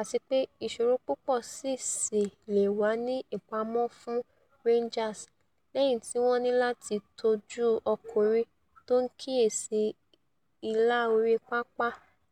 Àtipé ìṣòro púpọ̀ síi sì leè wà ní ìpamọ́ fún Rangers lẹ́yìn tí wọ́n níláti tójú ọkùnrin tó ńkíyèsí ìlà orí-pápá